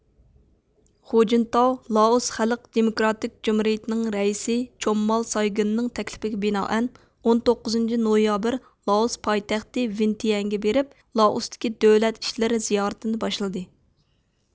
خۇجىنتاۋ لائوس خەلق دېموكراتىك جۇمھۇرىيىتىنىڭ رەئىسى چوممال سايگىننىڭ تەكلىپىگە بىنائەن ئون توققۇزىنچى نويابىر لائوس پايتەختى ۋىنتىيەنگە بېرىپ لائوستىكى دۆلەت ئىشلىرى زىيارىتىنى باشلىدى